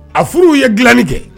A furuw ye g dilanni kɛ